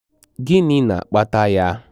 Gịnị na-akpata ya?